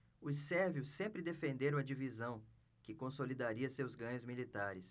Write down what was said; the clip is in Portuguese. os sérvios sempre defenderam a divisão que consolidaria seus ganhos militares